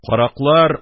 Караклар,